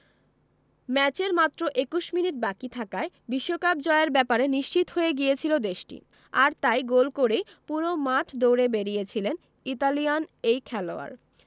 ম্যাচের মাত্র ২১ মিনিট বাকি থাকায় বিশ্বকাপ জয়ের ব্যাপারে নিশ্চিত হয়ে গিয়েছিল দেশটি আর তাই গোল করেই পুরো মাঠ দৌড়ে বেড়িয়েছিলেন ইতালিয়ান এই খেলোয়াড়